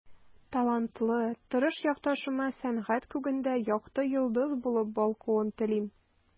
Талантлы, тырыш якташыма сәнгать күгендә якты йолдыз булып балкуын телим.